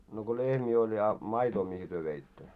no kun lehmiä oli ja maitoa mihin te veitte